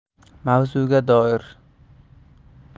mavzuga doir